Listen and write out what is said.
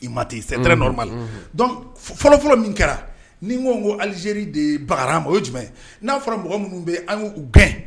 c'est très normal ;unhun; donc fɔlɔ fɔlɔ min kɛra ni n ko ko Algérie de bagara an ma o ye jumɛn? N'a fɔra mɔgɔ minnu bɛ an y'u gɛn